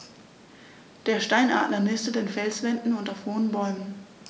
Der Steinadler nistet in Felswänden und auf hohen Bäumen.